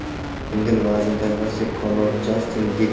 yengil vazn toifasida konor jastin getjini